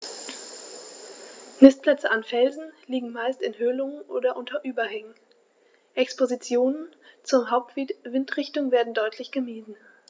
Nistplätze an Felsen liegen meist in Höhlungen oder unter Überhängen, Expositionen zur Hauptwindrichtung werden deutlich gemieden.